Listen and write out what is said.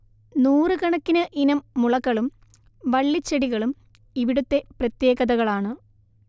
നൂറുകണക്കിന് ഇനം മുളകളും വളളിച്ചെടികളും ഇവിടുത്തെ പ്രത്യേകതകളാണ്